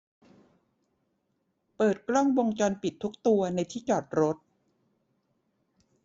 เปิดกล้องวงจรปิดทุกตัวในที่จอดรถ